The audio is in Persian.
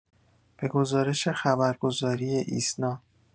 به گزارش خبرگزاری ایسنا